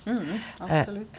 ja absolutt.